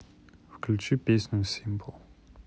включи песню симпл